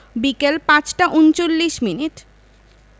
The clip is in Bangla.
বিকেল ৫টা ৩৯ মিনিট